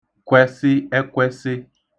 kwesị ewkesị